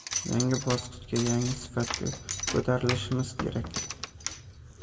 yangi bosqichga yangi sifatga ko'tarilishimiz kerak